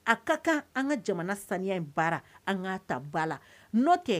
A ka kan an ŋa jamana saniya in baara an ŋ'a ta ba la nɔ tɛ